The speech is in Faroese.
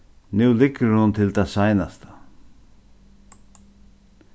nú hon liggur til tað seinasta